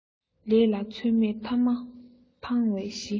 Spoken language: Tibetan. ལས ལ ཚོད མེད ཐ མ ཕང བའི གཞི